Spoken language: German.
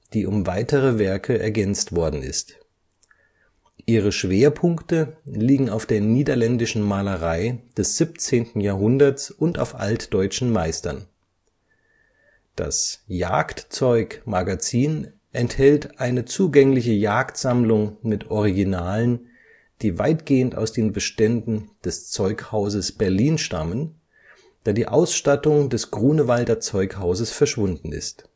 die um weitere Werke ergänzt worden ist. Ihre Schwerpunkte liegen auf der niederländischen Malerei des 17. Jahrhunderts und auf altdeutschen Meistern. Das „ Jagdzeugmagazin “enthält eine zugängliche Jagdsammlung mit Originalen, die weitgehend aus den Beständen des Zeughauses Berlin stammen, da die Ausstattung des Grunewalder Zeughauses verschwunden ist